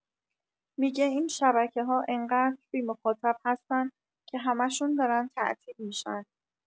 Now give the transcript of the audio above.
می‌گه این شبکه‌ها انقدر بی‌مخاطب هستن که همشون دارن تعطیل می‌شن